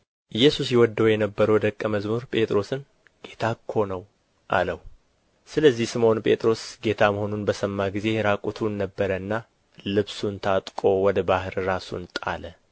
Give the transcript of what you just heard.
ኢየሱስ ይወደው የነበረውም ደቀ መዝሙር ጴጥሮስን ጌታ እኮ ነው አለው ስለዚህ ስምዖን ጴጥሮስ ጌታ መሆኑን በሰማ ጊዜ ዕራቁቱን ነበረና ልብሱን ታጥቆ ወደ ባሕር ራሱን ጣለ